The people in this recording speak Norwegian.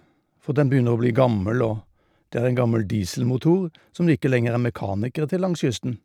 For den begynner å bli gammel, og det er en gammel dieselmotor som det ikke lenger er mekanikere til langs kysten.